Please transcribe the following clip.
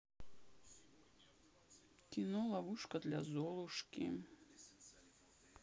кино ловушка для золушки